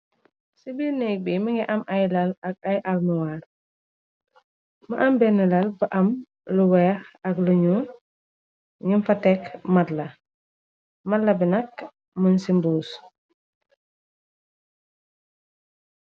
Ci biir néeg bi mi ngi am ay lal ak ay almuwaar ma am benn lal ba am lu weex ak unu ñum fa tekk mat la matla bi nakk mën ci mbuus.